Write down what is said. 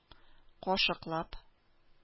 Кашыклап